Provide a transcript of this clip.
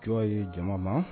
ye jama ma